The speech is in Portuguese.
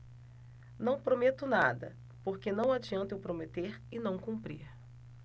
não prometo nada porque não adianta eu prometer e não cumprir